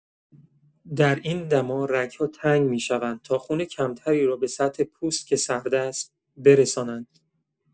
در این دما رگ‌ها تنگ می‌شوند تا خون کم‌تری را به سطح پوست که سرد است، برسانند.